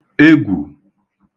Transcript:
egwù